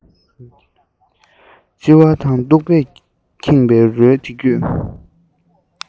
ལྕི བ དང སྟུག པས ཁེངས པའི རོལ དེ བརྒྱུད